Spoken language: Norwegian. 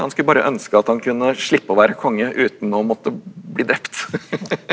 han skulle bare ønske at han kunne slippe å være konge uten å måtte bli drept .